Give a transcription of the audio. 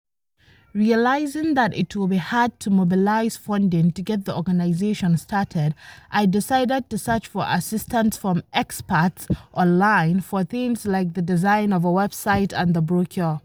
Realizing that it would be hard to mobilize funding to get the organisation started, I decided to search for assistance from experts online for things like the design of a website and the brochure.